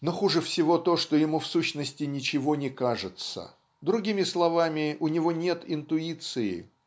Но хуже всего то, что ему, в сущности, ничего не кажется, другими словами у него нет интуиции